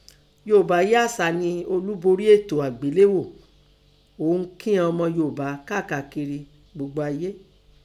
Yoòbá íáṣà nẹ olúborí ètò àgbéléò ọ̀ún kían ọmọ Yoòbá káàkiri gbogbo ayé.